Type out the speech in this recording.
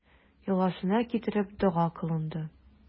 Йоласына китереп, дога кылынды.